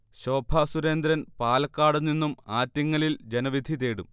ശോഭസുരേന്ദ്രൻ പാലക്കാട് നിന്നും ആറ്റിങ്ങലിൽ ജനവിധി തേടും